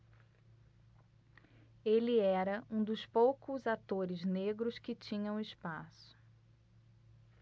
ele era um dos poucos atores negros que tinham espaço